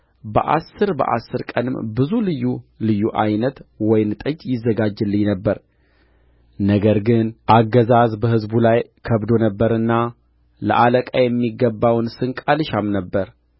በአሥር በአሥር ቀንም ብዙ ልዩ ልዩ ዓይነት ወይን ጠጅ ይዘጋጅልኝ ነበር ነገር ግን አገዛዝ በሕዝቡ ላይ ከብዶ ነበርና ለአለቃ የሚገባውን ስንቅ አልሻም ነበር